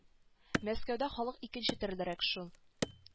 Мәскәүдә халык икенче төрлерәк шул